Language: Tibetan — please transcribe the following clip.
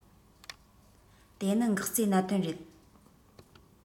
དེ ནི འགག རྩའི གནད དོན རེད